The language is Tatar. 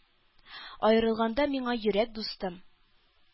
Аерылганда миңа йөрәк дустым